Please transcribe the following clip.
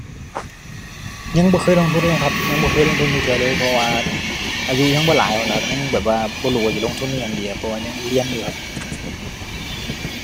ยังบ่เคยลงทุนเลยครับ ยังบ่เคยลงทุนจักเทื่อเลย เพราะว่าอายุยังบ่หลายหั้นแหล้วครับ ยังแบบว่าบ่รู้ว่าสิลงทุนอิหยังดีครับ เพราะว่ายังเรียนอยู่ครับ